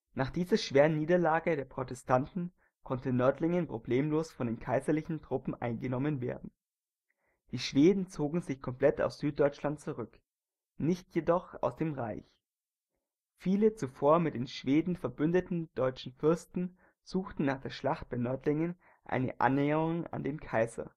Nach dieser schweren Niederlage der Protestanten konnte Nördlingen problemlos von den kaiserlichen Truppen eingenommen werden. Die Schweden zogen sich komplett aus Süddeutschland zurück, nicht jedoch aus dem Reich. Viele zuvor mit den Schweden verbündete deutsche Fürsten suchten nach der Schlacht bei Nördlingen eine Annäherung an den Kaiser